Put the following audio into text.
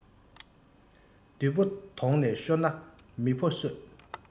བདུད པོ དོང ནས ཤོར ན མི ཕོ གསོད